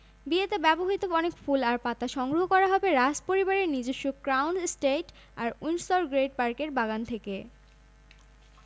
এই অসাধারণ সুন্দর সৈকতে হেঁটে কয়েক মিনিটের মধ্যেই তার মন ভালো হয়ে গেল সত্যিই কান অসাধারণ